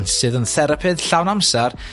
sydd yn therapydd llawn amsar